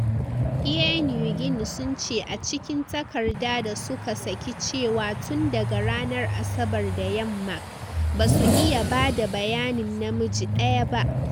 Air Niugini sun ce a cikin takarda da su ka saki cewa tun daga ranar Asabar da yamma, ba su iya bada bayanin namiji daya ba.